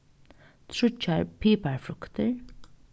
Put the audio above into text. tríggjar piparfruktir